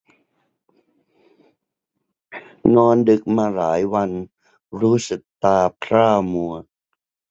นอนดึกมาหลายวันรู้สึกตาพร่ามัว